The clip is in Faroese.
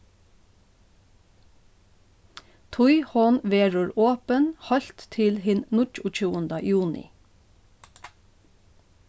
tí hon verður opin heilt til hin níggjuogtjúgunda juni